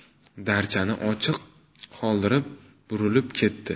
darchani ochiq qoldirib burilib ketdi